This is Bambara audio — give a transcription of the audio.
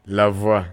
Lafiula